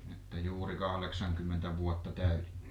että juuri kahdeksankymmentä vuotta täytitte